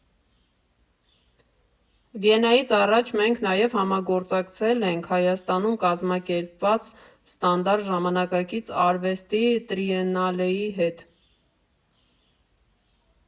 Վիեննայից առաջ մենք նաև համագործակցել ենք Հայաստանում կազմակերպված ՍՏԱՆԴԱՐՏ ժամանակակից արվեստի տրիենալեի հետ։